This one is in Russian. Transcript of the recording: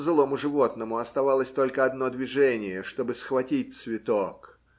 Злому животному оставалось только одно движение, чтобы схватить цветок.